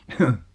mm